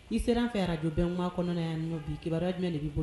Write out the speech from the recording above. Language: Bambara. I sera n fɛ arajo bɛn kuma kɔnɔna yan nɔ bi kibaruya jumɛn de b'i bolo